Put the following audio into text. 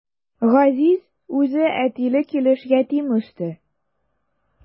Газиз үзе әтиле килеш ятим үсте.